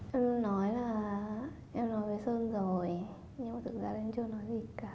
em nói là em nói với sơn rồi nhưng mà thực ra là em chưa nói gì cả